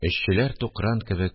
Эшчеләр тукран кебек